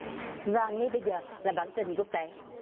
và ngay bây giờ là bản tin quốc tế